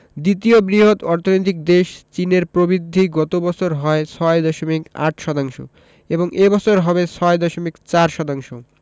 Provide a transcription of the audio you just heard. দ্বিতীয় বৃহৎ অর্থনৈতিক দেশ চীনের প্রবৃদ্ধি গত বছর হয় ৬.৮ শতাংশ এবং এ বছর হবে ৬.৪ শতাংশ